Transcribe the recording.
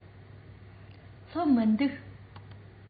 སླེབས མི འདུག